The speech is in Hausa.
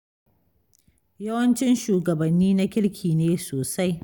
Yawancin shugabannin na kirki ne sosai.